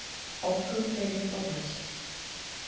Ак кәүсәле агач.